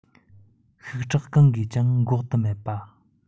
ཤུགས དྲག གང གིས ཀྱང འགོག ཏུ མེད པ